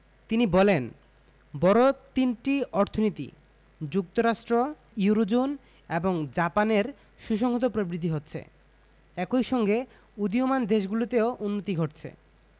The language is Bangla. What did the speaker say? তিনি বলেন বড় তিনটি অর্থনীতি যুক্তরাষ্ট্র ইউরোজোন এবং জাপানের সুসংহত প্রবৃদ্ধি হচ্ছে একই সঙ্গে উদীয়মান দেশগুলোতেও উন্নতি ঘটছে